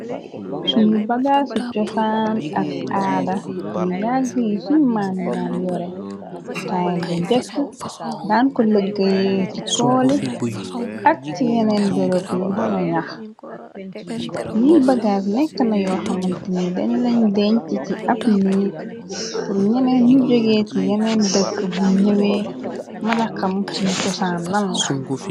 Suñu bagaas ci cosaan ak aada, yu yagg yi suñ maami daan yore. Timi bu njëkk, daan ko lëggeye ci tooli ak ci yeneen bërob yu ame ñax , ngiy bagaas nekkna yoxamante ni den lañ denc ci ab niik, pur ñeneen ñu joge ci yeneen dëkk bu ñëwee mëna xam suñu cosaan lanla.